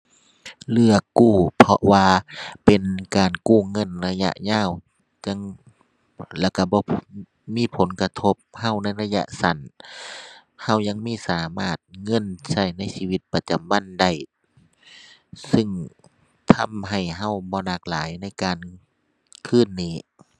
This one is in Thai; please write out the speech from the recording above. เลือกกู้ เพราะว่าเป็นการกู้เงินระยะยาว จั่ง แล้วก็บ่ มีผลกระทบก็ในระยะสั้น ก็ยังมีสามารถเงินก็ในชีวิตประจำวันได้ ซึ่งทำให้ก็บ่หนักหลายในการคืนหนี้ ⁠